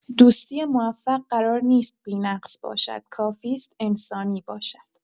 دوستی موفق قرار نیست بی‌نقص باشد، کافی است انسانی باشد.